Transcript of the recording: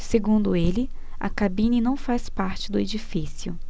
segundo ele a cabine não faz parte do edifício